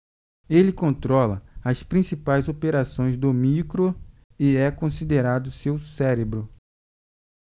ele controla as principais operações do micro e é considerado seu cérebro